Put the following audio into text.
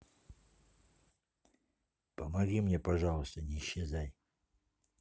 помоги мне пожалуйста не исчезай